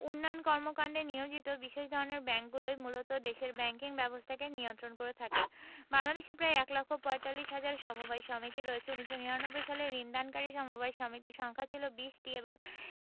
উন্নয়ন কর্মকান্ডে নিয়োজিত বিশেষ ধরনের ব্যাংকগুলোই মূলত দেশের ব্যাংকিং ব্যবস্থাকে নিয়ন্ত্রণ করে থাকে বাংলাদেশে প্রায় এক লক্ষ পয়তাল্লিশ হাজার সমবায় সমিতি রয়েছে ১৯৯৯ সালে ঋণ দানকারী সমবায় সমিতির সংখ্যা ছিল ২০টি এবং